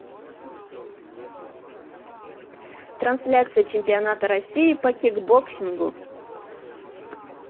трансляция чемпионата россии по кикбоксингу